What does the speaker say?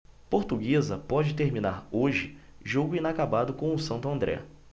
portuguesa pode terminar hoje jogo inacabado com o santo andré